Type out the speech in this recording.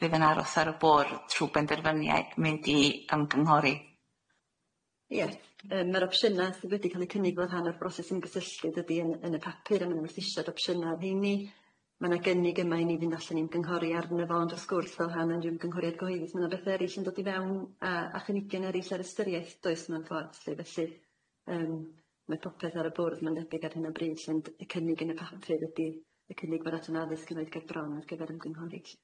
bydd yn aros ar y bwrdd trw' benderfyniad mynd i ymgynghori? Ia, yym ma'r opsiyna sydd wedi ca'l eu cynnig fel rhan o'r broses ymgysylltiad ydi yn yn y papur a ma' 'na werthusiad o'r opsiyna rheini. Ma' 'na gynnig yma i ni fynd allan i ymgynghori arno fo ond wrth gwrs fel rhan o'r ymgynghoriad cyhoeddus ma' na bethe erill yn dod i fewn a a chynigion erill ar ystyriaeth does, mewn ffordd. Felly yym ma' popeth ar y bwrdd ma'n debyg ar hyn o bryd lly ond y cynnig yn y papur ydi, y cynnig ma'r Adran Addysg yn roid ger bron ar gyfer ymgynghori lly.